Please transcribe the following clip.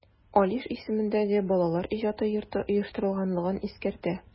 Алиш исемендәге Балалар иҗаты йорты оештырганлыгын искәртә.